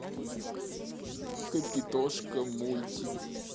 капитошка мультик